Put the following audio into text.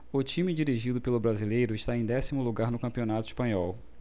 o time dirigido pelo brasileiro está em décimo lugar no campeonato espanhol